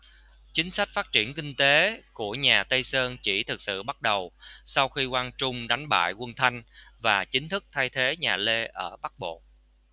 chính sách phát triển kinh tế của nhà tây sơn chỉ thực sự bắt đầu sau khi quang trung đánh bại quân thanh và chính thức thay thế nhà lê ở bắc bộ